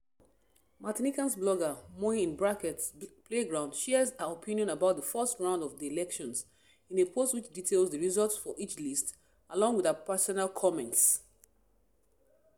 Martinican blogger [moi]'s playground shares her opinion about the first round of the elections, in a post which details the results for each list, along with her personal comments.